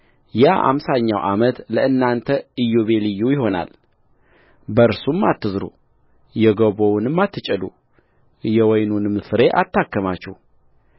ያ አምሳኛው ዓመት ለእናንተ ኢዮቤልዩ ይሆናል በእርሱም አትዝሩ የገቦውንም አትጨዱ የወይኑንም ፍሬ አታከማቹ